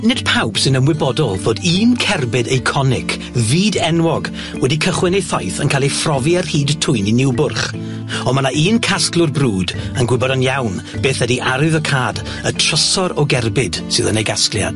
Nid pawb sy'n ymwybodol fod un cerbyd eiconic, fyd-enwog, wedi cychwyn ei thaith yn cael ei phrofi ar hyd twyni Niwbwrch ond ma' 'na un casglwr brwd yn gwybod yn iawn beth ydi arwyddocâd, y trysor o gerbyd sydd yn ei gasgliad.